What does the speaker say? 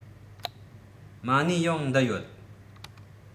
མ གནས ཡང འདི ཡོད